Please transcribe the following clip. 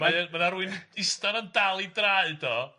Mae yy ma' 'na rwun ista yna'n dal 'i draed o... Ia...